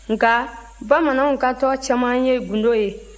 nka bamananw ka tɔn caman ye gundo ye